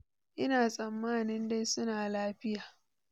Ina tsammanin dai su na lafiya.”